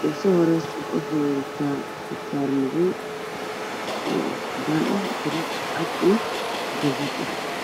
oo soo socdo oo ku jiraan naga natoo u soo horeyso waxay wadataa dilaajaalle ah iyo xijaab madow ah